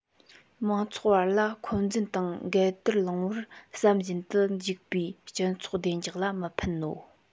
མང ཚོགས བར ལ འཁོན འཛིན དང འགལ ཟླར ལངས པར བསམ བཞིན དུ འཇུག པས སྤྱི ཚོགས བདེ འཇགས ལ མི ཕན ནོ